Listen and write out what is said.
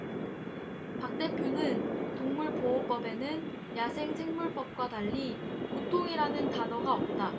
박 대표는 동물보호법에는 야생생물법과 달리 고통이라는 단어가 없다